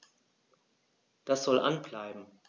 Das soll an bleiben.